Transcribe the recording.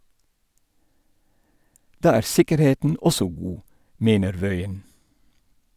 Da er sikkerheten også god, mener Wøien.